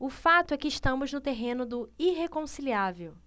o fato é que estamos no terreno do irreconciliável